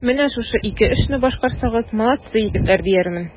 Менә шушы ике эшне башкарсагыз, молодцы, егетләр, диярмен.